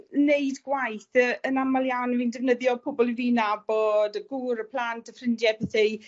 neud gwaith yn amal iawn 'yf fi'n defnyddio pobol 'yf fi'n nabod, y gŵr, y plant, y ffrindie, pethe i